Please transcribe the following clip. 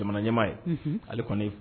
Jamana ɲamamaa ye ale kɔni